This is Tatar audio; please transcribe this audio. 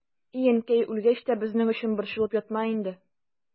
И әнкәй, үлгәч тә безнең өчен борчылып ятма инде.